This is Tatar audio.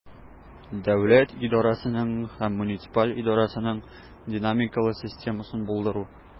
Дәүләт идарәсенең һәм муниципаль идарәнең динамикалы системасын булдыру.